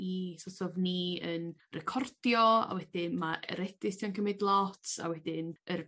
i so't of ni yn recordio a wedyn ma' yr edit yn cymyd lot a wedyn yr...